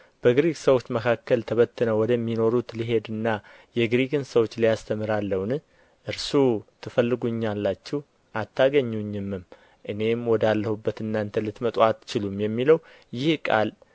በግሪክ ሰዎች መካከል ተበትነው ወደሚኖሩት ሊሄድና የግሪክን ሰዎች ሊያስተምር አለውን እርሱ ትፈልጉኛላችሁ አታገኙኝምም እኔም ወዳለሁበት እናንተ ልትመጡ አትችሉም የሚለው ይህ ቃል